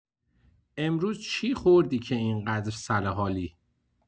امروز چی خوردی که اینقدر سرحالی؟